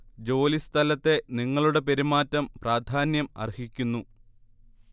ജോലി സ്ഥലത്തെ നിങ്ങളുടെ പെരുമാറ്റം പ്രാധാന്യം അര്ഹിക്കുന്നു